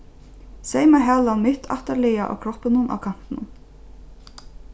seyma halan mitt aftarlaga á kroppinum á kantinum